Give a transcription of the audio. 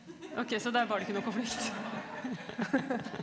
ok så der var det ikke noen konflikt?